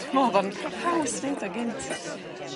Dwi me'wl bod o'n... Perffaith. ...haws neud o'n gynt.